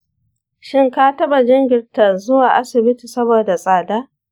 shin ka taba jinkirta zuwa asibiti saboda tsada?